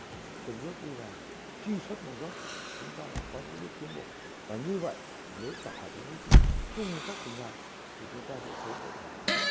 từng bước đi vào truy xuất nguồn gốc chúng ta đã có những bước tiến bộ và như vậy nếu cả hệ thống chính trị cùng các tỉnh thành thì chúng ta sẽ sớm hơn nữa